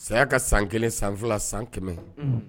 Saya ka san 1, san 2, san 100. Un.